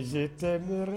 Zt